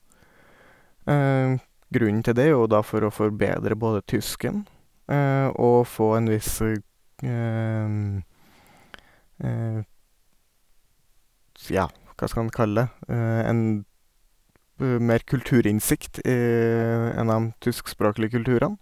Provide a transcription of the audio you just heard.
Grunnen til det er jo da for å forbedre både tysken og få en viss, ja, hva skal en kalle det, en mer kulturinnsikt i en av dem tyskspråklige kulturene.